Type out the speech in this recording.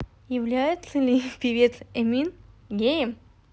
является ли певец эмин геем